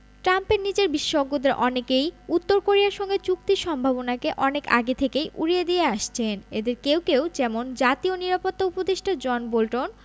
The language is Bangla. ট্রাম্পের নিজের বিশেষজ্ঞদের অনেকেই উত্তর কোরিয়ার সঙ্গে চুক্তির সম্ভাবনাকে অনেক আগে থেকেই উড়িয়ে দিয়ে আসছেন এঁদের কেউ কেউ যেমন জাতীয় নিরাপত্তা উপদেষ্টা জন বোল্টন